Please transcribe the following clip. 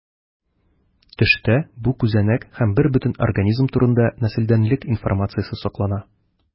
Төштә бу күзәнәк һәм бербөтен организм турында нәселдәнлек информациясе саклана.